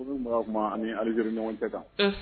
U bɛ mara kuma ani alizri ɲɔgɔn tɛ kan